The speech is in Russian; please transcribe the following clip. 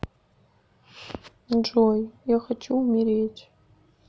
джой я хочу умереть